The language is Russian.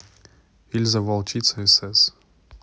ильза волчица сс